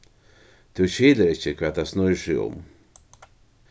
tú skilir ikki hvat tað snýr seg um